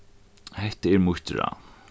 hetta er mítt ráð